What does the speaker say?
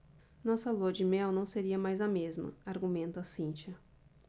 nossa lua-de-mel não seria mais a mesma argumenta cíntia